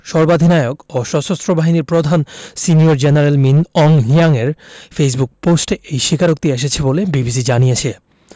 সর্বাধিনায়ক ও সশস্ত্র বাহিনীর প্রধান সিনিয়র জেনারেল মিন অং হ্লিয়াংয়ের ফেসবুক পোস্টে এই স্বীকারোক্তি এসেছে বলে বিবিসি জানিয়েছে